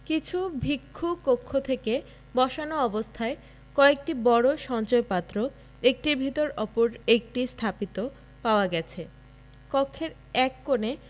কিছু ভিক্ষু কক্ষ থেকে বসানো অবস্থায় কয়েকটি বড় সঞ্চয় পাত্র একটির ভেতর অপর একটি স্থাপিত পাওয়া গেছে কক্ষের এক কোণে